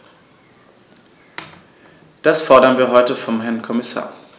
Das fordern wir heute vom Herrn Kommissar.